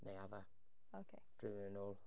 Neuaddau... ocê... dwi'n mynd i'n ôl.